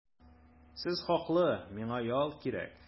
Сез хаклы, миңа ял кирәк.